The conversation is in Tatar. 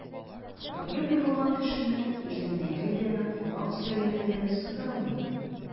Таеп егылган кешенең иреннәре дә, колак тирәләре дә сыдырылмый.